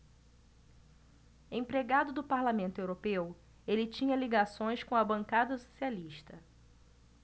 empregado do parlamento europeu ele tinha ligações com a bancada socialista